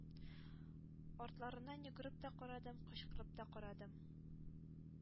Артларыннан йөгереп тә карадым, кычкырып та карадым...